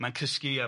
Mae'n cysgu ia,